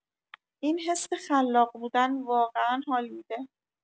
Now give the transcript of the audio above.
این حس خلاق بودن واقعا حال می‌ده.